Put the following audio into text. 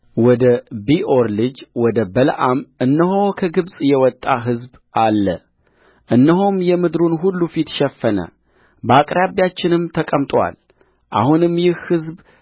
ወደ ቢዖር ልጅ ወደ በለዓም እነሆ ከግብፅ የወጣ ሕዝብ አለ እነሆም የምድሩን ሁሉ ፊት ሸፈነ በአቅራቢያችንም ተቀምጦአል አሁንም ይህ ሕዝብ